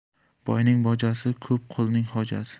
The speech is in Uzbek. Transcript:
boyning bojasi ko'p qulning xo'jasi